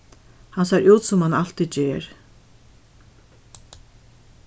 hann sær út sum hann altíð ger